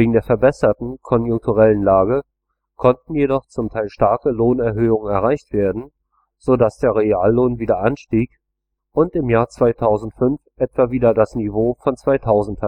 der verbesserten konjunkturellen Lage konnten jedoch zum Teil starke Lohnerhöhungen erreicht werden, so dass der Reallohn wieder anstieg und im Jahr 2005 etwa wieder das Niveau von 2000